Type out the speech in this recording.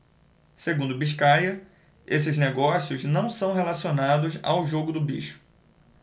segundo biscaia esses negócios não são relacionados ao jogo do bicho